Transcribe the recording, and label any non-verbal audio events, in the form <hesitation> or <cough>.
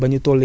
<hesitation> <hesitation>